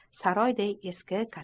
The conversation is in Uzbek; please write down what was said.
saroyday eski